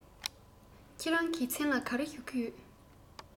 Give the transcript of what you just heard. ཁྱེད རང གི མཚན ལ ག རེ ཞུ གི ཡོད